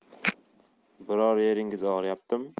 biror yeringiz og'riyaptimi